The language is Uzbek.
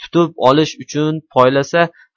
tutib olish uchun poylasa